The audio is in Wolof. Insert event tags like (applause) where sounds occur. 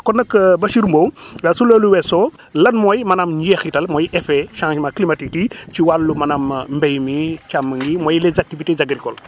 kon nag (hesitation) Bachir Mbow (breath) su loolu weesoo lan mooy maanaam njeexital mooy effet changement climatiques yi (breath) ci wàllu maanaam mbéy mi càmm gi mooy les activités agricoles